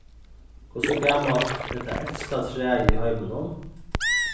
hvussu gamalt er tað elsta træið í heiminum